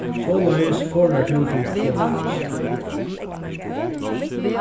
soleiðis forðar tú fyri at fáa lús